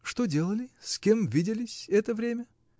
— Что делали, с кем виделись это время?